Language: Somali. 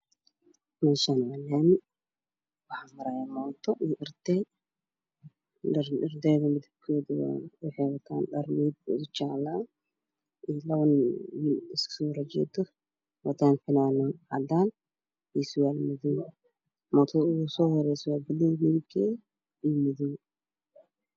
Meshan wa Laami waxa maraya moto iyo arday waxay watan dhar midikodajala ah iyo Labonin iskasohorjedo watanfananad cadan iyosirwalmadow motada ugusohoreysomidibked wa balug iyo madow